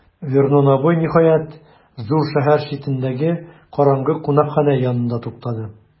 Вернон абый, ниһаять, зур шәһәр читендәге караңгы кунакханә янында туктады.